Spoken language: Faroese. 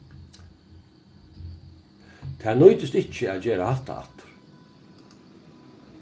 tær nýtist ikki at gera hatta aftur